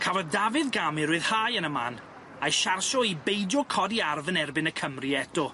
Cafodd Dafydd Gam 'i ryddhau yn y man a'i siarsio i beidio codi arf yn erbyn y Cymry eto.